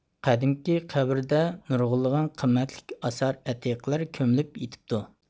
قەدىمكى قەبرىدە نۇرغۇنلىغان قىممەتلىك ئاسارئەتىقىلەر كۆمۈلۈپ يېتىپتۇ